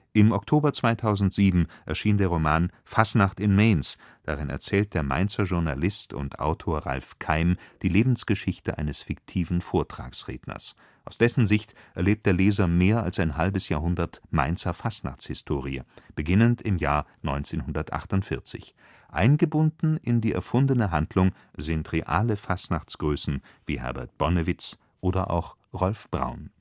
Im Oktober 2007 erscheint der Roman „ Fastnacht in Meenz “. Darin erzählt der Mainzer Journalist und Autor Ralph Keim die Lebensgeschichte eines fiktiven Vortragsredners. Aus dessen Sicht erlebt der Leser mehr als ein halbes Jahrhundert Mainzer Fastnachtshistorie, beginnend im Jahr 1948. Eingebunden in die erfundene Handlung sind reale Fastnachtsgrößen wie Herbert Bonewitz oder auch Rolf Braun